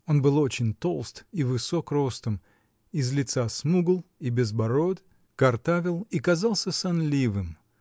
Он был очень толст и высок ростом, из лица смугл и безбород, картавил и казался сонливым